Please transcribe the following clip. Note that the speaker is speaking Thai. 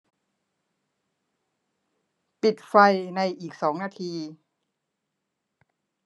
ปิดไฟในอีกสองนาที